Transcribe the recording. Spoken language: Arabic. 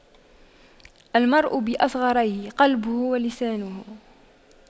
المرء بأصغريه قلبه ولسانه